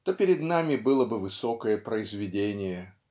то перед нами было бы высокое произведение.